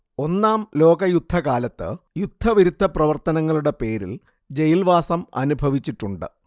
ഒന്നാം ലോകയുദ്ധകാലത്ത് യുദ്ധവിരുദ്ധ പ്രവർത്തനങ്ങളുടെ പേരിൽ ജയിൽവാസം അനുഭവിച്ചിട്ടുണ്ട്